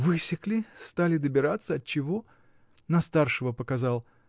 — Высекли: стали добираться — отчего? На старшего показал.